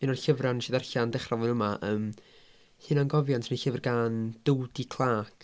Un o'r llyfrau wnes i ddarllen dechrau flwyddyn yma yym hunangofiant neu llyfr gan Dody Clark.